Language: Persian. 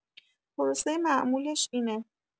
پروسه معمولش اینه.